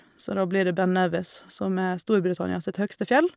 Så da blir det Ben Nevis, som er Storbritannia sitt høyeste fjell.